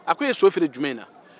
a ko e ye so feere jumɛn na